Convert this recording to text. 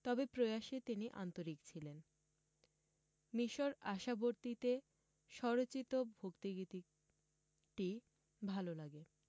তবে প্রয়াসে তিনি আন্তরিক ছিলেন মিশর আশাবর্তিতে স্বরচিত ভক্তিগীতিটি ভাল লাগে